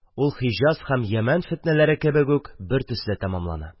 Ул һиҗаз һәм ямән фетнәләре кебек үк бертөсле тамамлана.